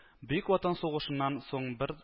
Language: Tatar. Бөек Ватан сугышыннан соң бер